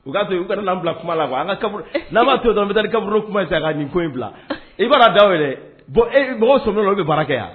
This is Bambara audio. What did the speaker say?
U ka to u kana n'an bila kuma la an ka kab n'a b'a to dɔn n bɛ taa kaburu kuma in se k kaa nin ko in bila i b'a da ye dɛ bɔn mɔgɔ so bɛ baara kɛ yan